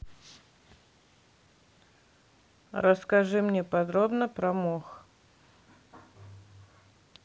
расскажи мне подробно про мох